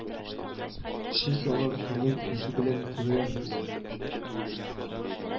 Чөнки алар күңел күзе белән күрәләр , ди ул